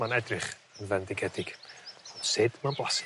Ma'n edrych yn fendigedig, ond sut ma'n blasu?